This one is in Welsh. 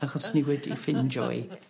Achos ni wedi ffindio 'i.